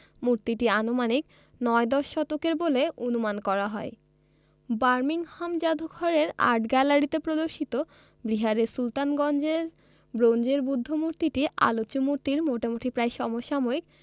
মূর্তিটি আনুমানিক নয় দশ শতকের বলে অনুমাণ করা যায় বার্মিংহাম জাদুঘরের আর্টগ্যালারিতে প্রদর্শিত বিহারের সুলতানগঞ্জের ব্রোঞ্জের বুদ্ধ মূর্তিটি আলোচ্য মূর্তির মোটামুটি প্রায় সমসাময়িক